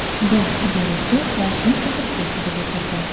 Баш идарәче алтын тәхеткә килеп утырды.